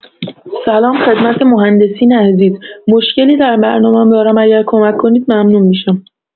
سلام خدمت مهندسین عزیز، مشکلی در برنامم دارم اگر کمک کنید ممنون می‌شم.